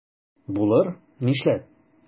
Булыр, нишләп?